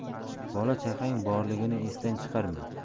bola chaqang borligini esdan chiqarma